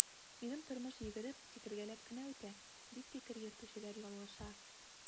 Минем тормыш йөгереп, сикергәләп кенә үтә, дип фикер йөртүчеләр ялгыша.